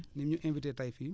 ni mu ñu invité tey fii